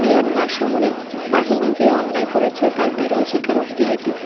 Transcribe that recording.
Myanmar সামরিক বাহিনী যে অন্যায় করেছে তার বিরল স্বীকারোক্তি এটি